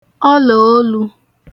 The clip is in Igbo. ọlàonū